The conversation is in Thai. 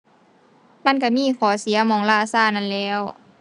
มันก็มีข้อเสียหม้องล่าก็นั่นแหล้ว